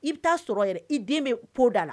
I bɛ taa sɔrɔ yɛrɛ i den bɛ po da la